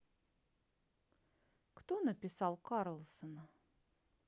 кто написал карлсона